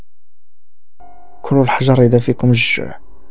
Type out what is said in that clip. الحجر اذا فيكم